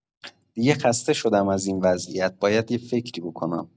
دیگه خسته شدم از این وضعیت، باید یه فکری بکنم.